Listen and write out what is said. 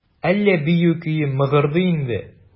Әллә бию көе мыгырдый инде?